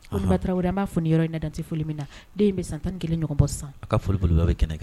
Ɔhɔn, Koninba Tarawere an b'a fo nin yɔrɔ in na yan dan tɛ foli min na, den in bɛ san 11 ɲɔgɔn bɔ sisan, a ka foli belebeleba bɛ kɛnɛ in kan.